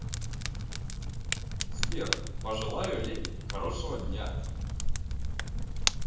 сбер пожелаю лене хорошего дня